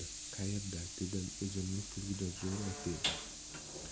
qayerda dedim o'zimni kulgidan zo'rg'a tiyib